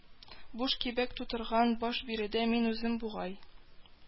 Буш кибәк тутырган баш биредә мин үзем бугай